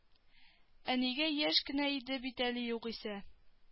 Әнигә яшь кенә иде бит әле югыйсә